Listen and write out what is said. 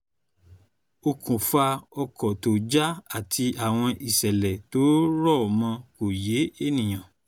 Okùnfà ọkọ̀ tó jà àti àwọn iṣẹ̀lẹ̀ tó ń rọ̀ mọ̀ kó yẹ́ èèyàn.